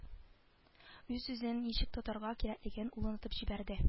Үз-үзен ничек тотарга кирәклеген ул онытып җибәрде